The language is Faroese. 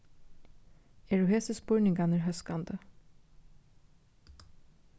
eru hesir spurningarnir hóskandi